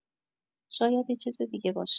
شاید یه چیز دیگه باشه